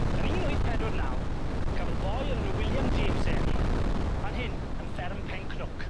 Yn un wyth pedwar naw cafodd boi o'r enw William James ei eni, fan hyn yn fferm Pencnwc.